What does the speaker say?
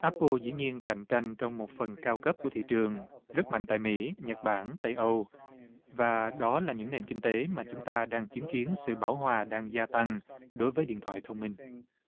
áp pồ dĩ nhiên cạnh tranh trong một phần cao cấp của thị trường rất mạnh tại mỹ nhật bản tây âu và đó là những nền kinh tế mà chúng ta đang chứng kiến sự bão hòa đang gia tăng đối với điện thoại thông minh